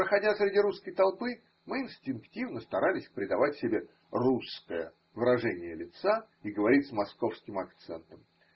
проходя среди русской толпы, мы инстинктивно старались придавать себе русское выражение липа и говорить с московским акцентом.